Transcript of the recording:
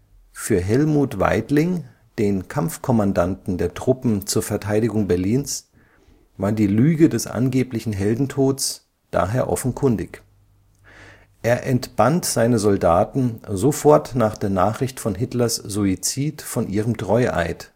Für Helmuth Weidling, den Kampfkommandanten der Truppen zur Verteidigung Berlins, war die Lüge des angeblichen Heldentods daher offenkundig. Er entband seine Soldaten sofort nach der Nachricht von Hitlers Suizid von ihrem Treueid